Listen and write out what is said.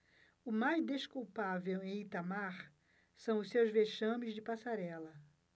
o mais desculpável em itamar são os seus vexames de passarela